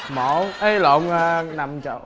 mổ ý lộn à nằm chỗ